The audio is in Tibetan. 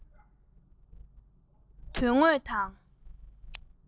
དོན དངོས དང